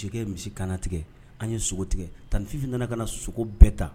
Si misi kana tigɛ an ye sogo tigɛ tan nifin nana ka na sogo bɛɛ ta